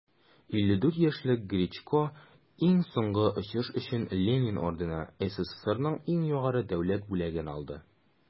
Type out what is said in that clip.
54 яшьлек гречко иң соңгы очыш өчен ленин ордены - сссрның иң югары дәүләт бүләген алды.